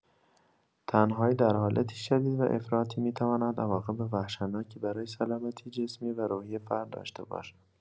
تنهایی در حالت شدید و افراطی می‌تواند عواقب وحشتناکی برای سلامتی جسمی و روحی فرد داشته باشد.